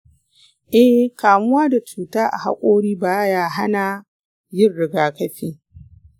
eh, kamuwa da cuta a haƙori ba ya hana yin rigakafi.